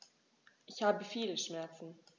Ich habe viele Schmerzen.